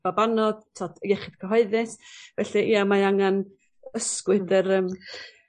babanod t'wod iechyd cyhoeddus felly ia mae angan ysgwyd yr yym...